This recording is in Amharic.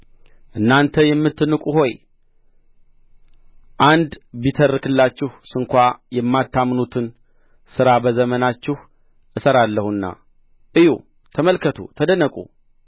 እናንተ የምትንቁ ሆይ አንድ ቢተርክላችሁ ስንኳ የማታምኑትን ሥራ በዘመናችሁ እሠራለሁና እዩ ተመልከቱ ተደነቁ